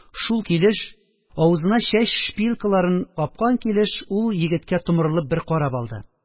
Шул килеш, авызына чәч шпилькаларын капкан килеш, ул егеткә томырылып бер карап алды.